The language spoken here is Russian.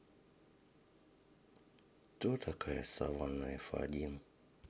кто такая саванна ф один